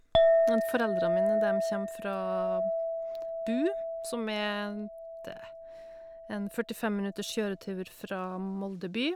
At foreldra mine, dem kjem fra Bud, som er en det en førtifem minutters kjøretur fra Molde by.